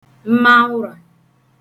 ma ụrà